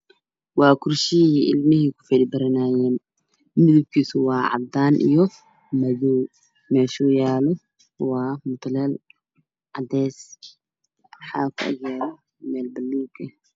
Waa kursiki ilmah kufadhi baranayay midabkis waa cadan io madow mesha oow yalo waa mutulel cades waxa kuagyalo mel baluug eh